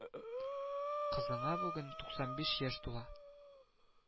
Кызына бүген туксан биш яшь тула